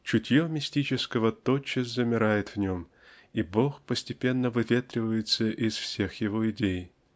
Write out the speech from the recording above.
чутье мистического тотчас замирает в нем и Бог постепенно выветривается из всех его идей